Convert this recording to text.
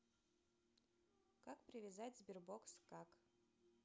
как привязать sberbox как